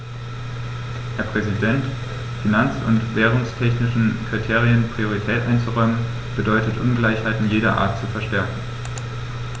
Herr Präsident, finanz- und währungstechnischen Kriterien Priorität einzuräumen, bedeutet Ungleichheiten jeder Art zu verstärken.